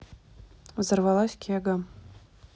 взорвалась кега